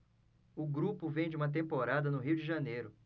o grupo vem de uma temporada no rio de janeiro